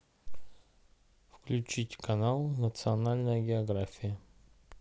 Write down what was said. включить канал национальная география